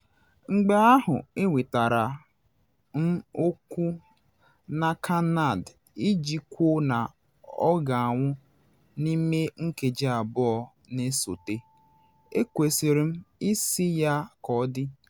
“Mgbe ahụ enwetara m oku n’aka Nad iji kwuo na ọ ga-anwụ n’ime nkeji abụọ na esote, ekwesịrị m ị sị ya ka ọ dị.